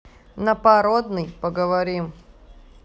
на породный поговорим